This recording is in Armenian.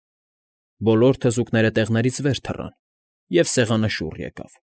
Բոլոր թզուկները տեղներից վեր թռան, և սեղանը շուռ եկավ։